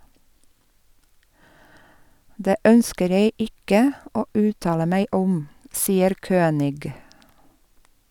- Det ønsker jeg ikke å uttale meg om, sier Kønig.